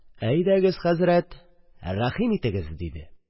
Әйдәгез, хәзрәт, рәхим итегез! – диде.